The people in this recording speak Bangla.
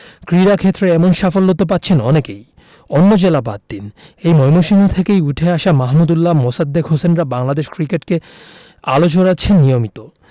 ক্রীড়াক্ষেত্রে এমন সাফল্য তো পাচ্ছেন অনেকেই অন্য জেলা বাদ দিন এ ময়মনসিংহ থেকেই উঠে আসা মাহমুদউল্লাহ মোসাদ্দেক হোসেনরা বাংলাদেশ ক্রিকেটে আলো ছড়াচ্ছেন নিয়মিত